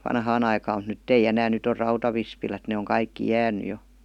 vanhaan aikaan mutta nyt ei enää nyt on rautavispilät ne on kaikki jäänyt jo